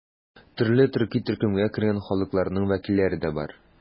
Төрле төрки төркемгә кергән халыкларның вәкилләре дә бар.